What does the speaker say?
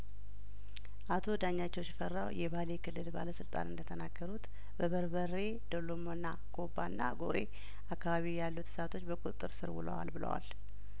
አቶ ዳኛቸው ሽፈራው የባሌ ክልል ባለስልጣን እንደተናገሩት በበርበሬ ዶሎ መና ጐባ እና ጐሬ አካባቢ ያሉት እሳቶች በቁጥጥር ስር ውለዋል ብለዋል